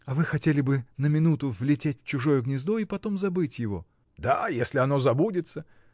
— А вы хотели бы на минуту влететь в чужое гнездо и потом забыть его. — Да, если оно забудется.